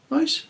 Oes.